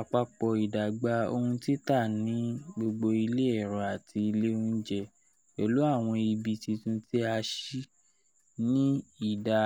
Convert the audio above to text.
Apapọ idagba ohun tita ni gbogbo ile ero ati ile ounjẹ, pẹlu awọn ibi titun ti a ṣi, ni ida